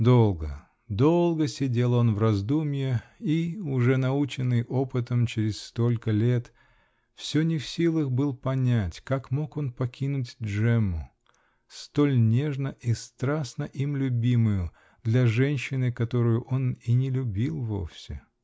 Долго, долго сидел он в раздумье и -- уже наученный опытом, через столько лет -- все не в силах был понять, как мог он покинуть Джемму, столь нежно и страстно им любимую, для женщины, которую он и не любил вовсе?.